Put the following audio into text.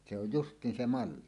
se on justiin se malli